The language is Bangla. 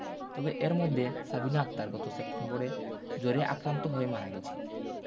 তবে এর মধ্যে সাবিনা আক্তার গত সেপ্টেম্বরে জ্বরে আক্রান্ত হয়ে মারা গেছে